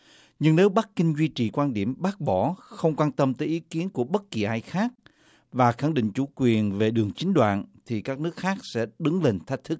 nhưng nếu bắc kinh duy trì quan điểm bác bỏ không quan tâm tới ý kiến của bất kỳ ai khác và khẳng định chủ quyền về đường chín đoạn thì các nước khác sẽ đứng lên thách thức